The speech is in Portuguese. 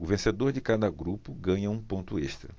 o vencedor de cada grupo ganha um ponto extra